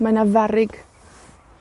Mae 'na farrug.